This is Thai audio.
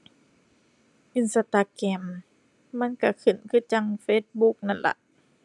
Instagram มันก็ขึ้นคือจั่ง Facebook นั่นล่ะ